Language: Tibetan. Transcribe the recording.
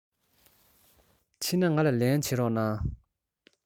ཕྱིན ན ང ལ ལན བྱིན རོགས